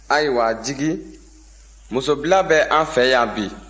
ayiwa jigi musobila bɛ an fɛ yan bi